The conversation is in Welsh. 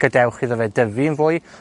gadewch iddo fe dyfu yn fwy,